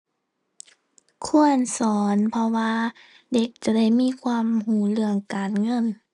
ควรสอน เพราะว่าเด็กจะได้มีความรู้เรื่องการเงิน